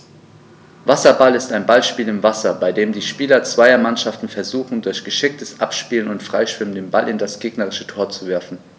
Wasserball ist ein Ballspiel im Wasser, bei dem die Spieler zweier Mannschaften versuchen, durch geschicktes Abspielen und Freischwimmen den Ball in das gegnerische Tor zu werfen.